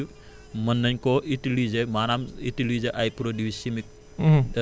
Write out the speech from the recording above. chimique bi mën nañ koo utiliser maanaam utiliser ay produits chimiques